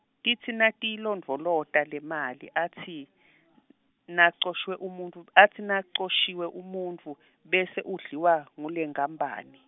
titsi natiyilondvolota lemali atsi , nacoshiwe umuntfu, atsi nacoshiwe umuntfu, bese idliwa, ngulenkapani.